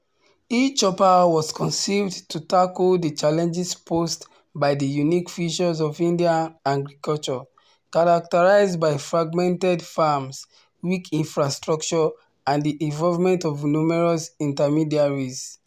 e Choupal was conceived to tackle the challenges posed by the unique features of Indian agriculture, characterized by fragmented farms, weak infrastructure and the involvement of numerous intermediaries…